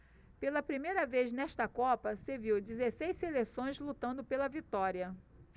pela primeira vez nesta copa se viu dezesseis seleções lutando pela vitória